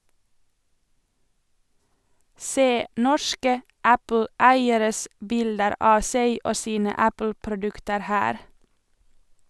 Se norske Apple-eieres bilder av seg og sine Apple-produkter her!